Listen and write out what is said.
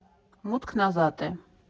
Մուտքն ազատ է։